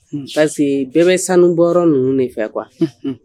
Parce bɛɛ bɛ sanu bɔ ninnu de fɛ kuwa